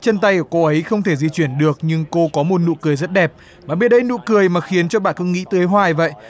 chân tay cô ấy không thể di chuyển được nhưng cô có một nụ cười rất đẹp và biết đấy nụ cười mà khiến cho bạn có nghĩ tới hoài vậy